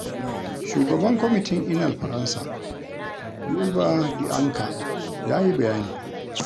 Shugaban kwamitin Inal-Faransa, Youba Dianka, ya yi bayani: